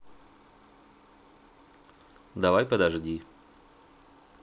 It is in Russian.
давай подожди